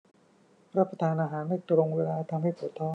รับประทานอาหารไม่ตรงเวลาทำให้ปวดท้อง